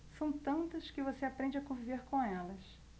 são tantas que você aprende a conviver com elas